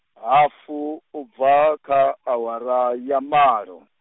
hafu, ubva kha awara ya malo.